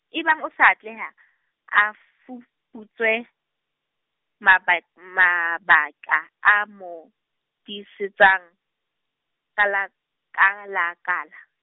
e bang o sa atleha, a fuputswe, mabak-, mabaka a mo tiisetsang, kala, kala kala.